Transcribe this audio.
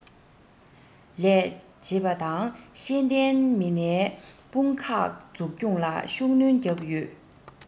ལས བྱེད པ དང ཤེས ལྡན མི སྣའི དཔུང ཁག འཛུགས སྐྱོང ལ ཤུགས སྣོན བརྒྱབ ཡོད